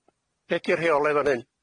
Be' 'di'r rheole fan hyn?